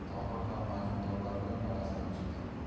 tohir ham majnuntollarning panasidan chiqdi